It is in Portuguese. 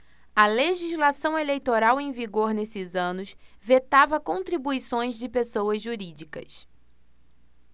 a legislação eleitoral em vigor nesses anos vetava contribuições de pessoas jurídicas